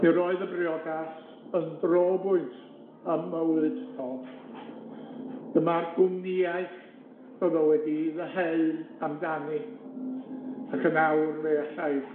Mi roedd y briodas yn drobwynt ym mywyd Dodd, dyma'r gwmnïaeth ro'dd o wedi'i ddeheu amdani, ac yn awr fe allai